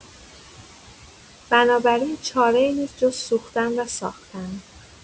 بنابراین چاره‌ای نیست جز سوختن و ساختن.